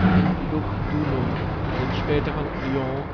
in Lugdunum, dem späteren Lyon